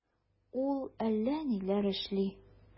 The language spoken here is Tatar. Ул әллә ниләр эшли...